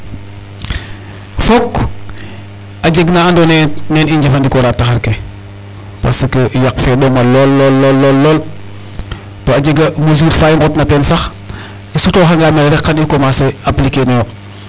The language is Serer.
Fook a jeg na andoona yee nen i njefandikoora taxar ke parce que yaq fe ɗoma lool lool to a jega mesure fa i nqotna ten sax i sutooxanga mene rek xan i commencer appliquer inooyo .